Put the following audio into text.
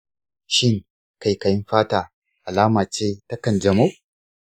shin kaikayin fata alama ce ta kanjamau?